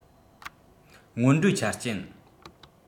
སྔོན འགྲོའི ཆ རྐྱེན